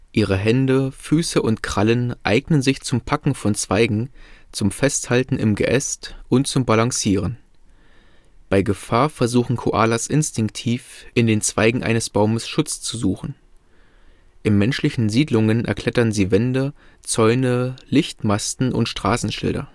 Ihre Hände, Füße und Krallen eignen sich zum Packen von Zweigen, zum Festhalten im Geäst und zum Balancieren. Bei Gefahr versuchen Koalas instinktiv, in den Zweigen eines Baumes Schutz zu suchen. In menschlichen Siedlungen erklettern sie Wände, Zäune, Lichtmasten und Straßenschilder